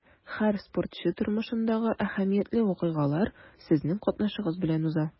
Һәр спортчы тормышындагы әһәмиятле вакыйгалар сезнең катнашыгыз белән уза.